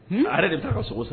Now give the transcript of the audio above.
A yɛrɛ de b,ɛ taa a ka sogo san.